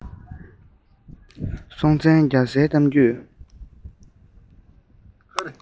སྲོང བཙན རྒྱ བཟའི གཏམ རྒྱུད